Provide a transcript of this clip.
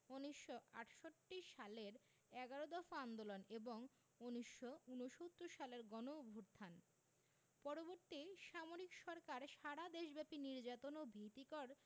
১৯৬৮ সালের এগারো দফা আন্দোলন এবং ১৯৬৯ সালের গণঅভ্যুত্থান পরবর্তী সামরিক সরকার সারা দেশব্যাপী নির্যাতন ও ভীতিকর